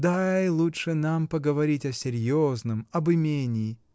Дай лучше нам поговорить о серьезном, об имении.